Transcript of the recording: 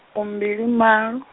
fumbilimalo.